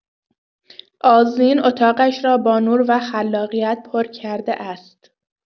آذین اتاقش را با نور و خلاقیت پر کرده است.